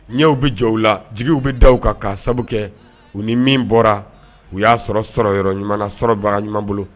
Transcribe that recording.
N ɲɛw bɛ jɔ la jigiw bɛ da ka'a sababu kɛ u ni min bɔra u y'a sɔrɔ sɔrɔ yɔrɔ ɲuman sɔrɔ bara ɲuman bolo